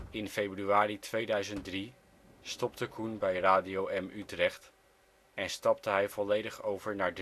In februari 2003 stopte Coen bij Radio M Utrecht en stapte hij volledig over naar